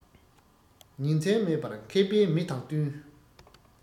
ཉིན མཚན མེད པར མཁས པའི མི དང བསྟུན